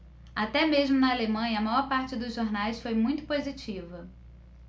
até mesmo na alemanha a maior parte dos jornais foi muito positiva